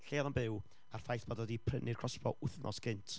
lle oedd o'n byw, a'r ffaith bod o 'di prynu'r crossbowr wythnos gynt.